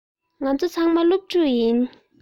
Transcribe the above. ང ཚོ ཚང མ སློབ ཕྲུག ཡིན